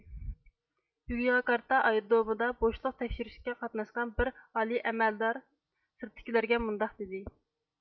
يوگياكارتا ئايرودرومىدا بوشلۇق تەكشۈرۈشكە قاتناشقان بىر ئالىي ئەمەلدار سىرتتىكىلەرگە مۇنداق دېگەن